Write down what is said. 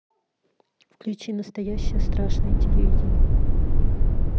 включи настоящее страшное телевидение